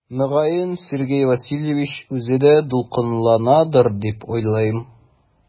Мөгаен Сергей Васильевич үзе дә дулкынланадыр дип уйлыйм.